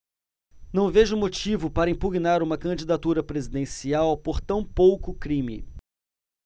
não vejo motivo para impugnar uma candidatura presidencial por tão pouco crime